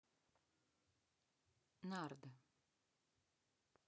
нарды